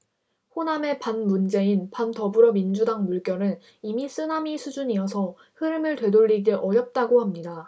호남의 반문재인 반더불어민주당 물결은 이미 쓰나미 수준이어서 흐름을 되돌리기 어렵다고 합니다